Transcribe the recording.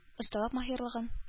Осталык-маһирлыгын